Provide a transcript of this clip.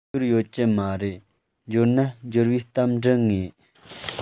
འབྱོར ཡོད ཀྱི མ རེད འབྱོར ན འབྱོར བའི གཏམ འབྲི ངེས